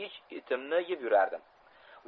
ich etimni yeb yurardim